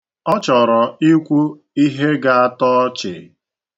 Ọ chọrọ ikwu ihe ga-atọ ọchị.